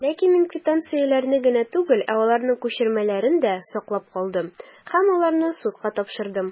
Ләкин мин квитанцияләрне генә түгел, ә аларның күчермәләрен дә саклап калдым, һәм аларны судка тапшырдым.